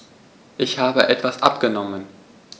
Ich habe etwas abgenommen.